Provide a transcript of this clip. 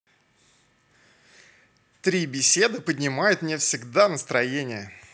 три беседы поднимают мне всегда настроение